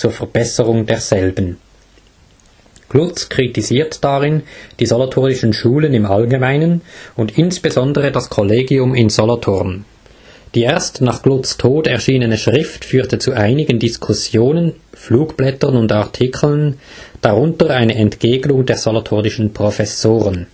Verbesserung derselben. “Glutz kritisiert darin die solothurnischen Schulen im allgemeinen und insbesondere das Kollegium in Solothurn. Die erst nach Glutz ' Tod erschienene Schrift führte zu einigen Diskussionen, Flugblättern und Artikeln, darunter eine Entgegnung der solothurnischen Professoren